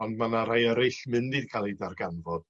ond ma' 'na rhai ereill mynd i ca'l ei ddarganfod.